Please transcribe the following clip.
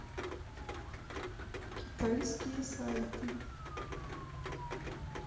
китайские сайты